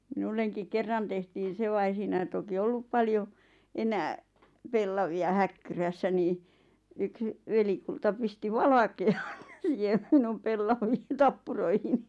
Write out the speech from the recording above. minullekin kerran tehtiin se vaan ei siinä toki ollut paljon enää pellavia häkkyrässä niin yksi velikulta pisti valkean siihen minun pellaviin tappuroihini